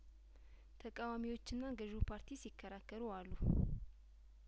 ተቃዋሚዎችና ገዥው ፓርቲ ሲከራከሩ ዋሉ